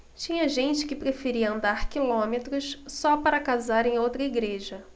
tinha gente que preferia andar quilômetros só para casar em outra igreja